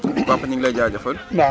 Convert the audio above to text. papa ñu ngi lay jaajëfal